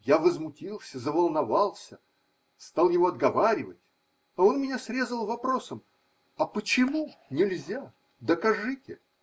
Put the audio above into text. Я возмутился, заволновался, стал его отговаривать, а он меня срезал вопросом: – А почему нельзя? Докажите!